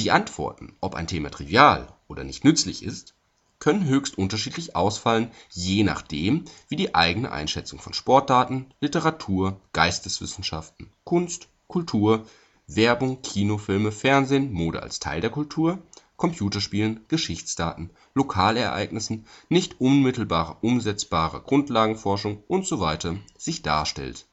Antworten, ob ein Thema trivial oder nicht „ nützlich “ist, können höchst unterschiedlich ausfallen, je nachdem, wie die eigene Einschätzung von Sportdaten, Literatur, Geisteswissenschaften, Kunst, Kultur (Werbung, Kinofilme, Fernsehen, Mode als Teil der Kultur?), Computerspielen, Geschichtsdaten, Lokalereignissen, nicht unmittelbar umsetzbarer Grundlagenforschung usw. sich darstellt